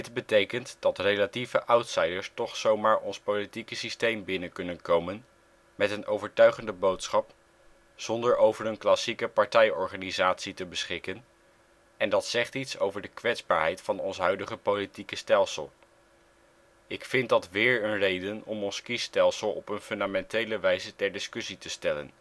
betekent dat relatieve outsiders toch zomaar ons politieke systeem binnen kunnen komen met een overtuigende boodschap zonder over een klassieke partijorganisatie te beschikken en dat zegt iets over de kwetsbaarheid van ons huidige politieke stelsel. Ik vind dat wéér een reden om ons kiesstelsel op een fundamentele wijze ter discussie te stellen